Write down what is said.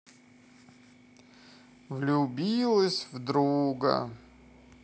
влюбилась в друга